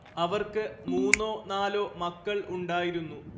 അവർക്ക് മൂന്നോ നാലോ മക്കൾ ഉണ്ടായിരുന്നു